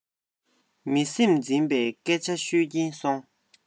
མི སེམས འཛིན པའི སྐད ཆ ཤོད ཀྱིན སོང